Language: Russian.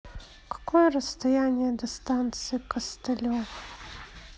какое расстояние до станции костылево